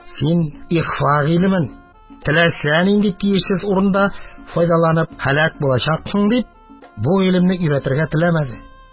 Син ихфа гыйлемен теләсә нинди тиешсез урында файдаланып һәлак булырсың, – дип, бу гыйлемне өйрәтергә теләмәде.